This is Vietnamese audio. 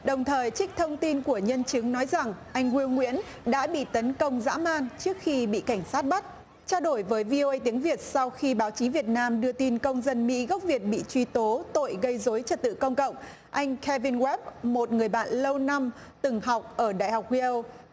đồng thời trích thông tin của nhân chứng nói rằng anh guy nguyễn đã bị tấn công dã man trước khi bị cảnh sát bắt trao đổi với vi ô ây tiếng việt sau khi báo chí việt nam đưa tin công dân mỹ gốc việt bị truy tố tội gây rối trật tự công cộng anh ke vin oát một người bạn lâu năm từng học ở đại học guy âu